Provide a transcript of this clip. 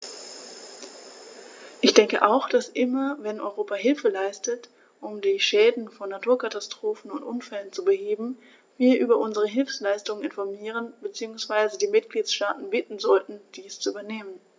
Ich denke auch, dass immer wenn Europa Hilfe leistet, um die Schäden von Naturkatastrophen oder Unfällen zu beheben, wir über unsere Hilfsleistungen informieren bzw. die Mitgliedstaaten bitten sollten, dies zu übernehmen.